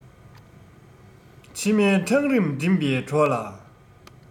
ཕྱི མའི འཕྲང རིང འགྲིམ པའི གྲོགས ལ